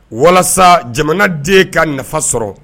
Walasa jamana den ka nafa sɔrɔ